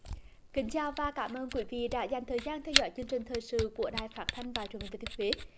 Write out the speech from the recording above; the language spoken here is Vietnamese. kính chào và cảm ơn quý vị đã dành thời gian theo dõi chương trình thời sự của đài phát thanh và truyền hình thừa thiên huế